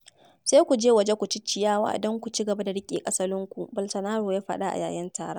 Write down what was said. Sai ku je waje ku ci ciyawa don ku cigaba da riƙe asalinku, Bolsonaro ya faɗa a yayin taron.